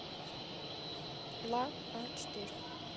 ла а четыре